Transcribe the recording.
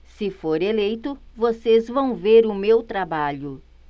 se for eleito vocês vão ver o meu trabalho